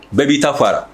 Bɛɛ b'i taa faga